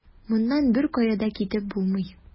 Моннан беркая да китеп булмый.